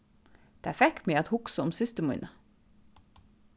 tað fekk meg at hugsa um systur mína